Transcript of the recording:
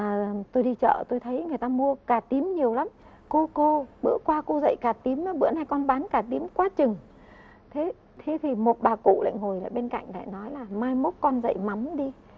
tôi đi chợ tôi thấy người ta mua cà tím nhiều lắm cô cô bữa qua cô dạy cà tím là bữa nay con bán cà tím quá chừng thế thế thì một bà cụ lại ngồi bên cạnh lại nói là mai mốt con dậy mắm đi